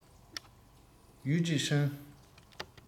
ཡུས ཀྲེང ཧྲེང